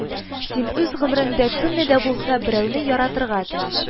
Син үз гомереңдә кемне дә булса берәүне яратырга тиеш